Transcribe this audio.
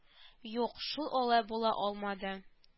Юк шул алай була алмады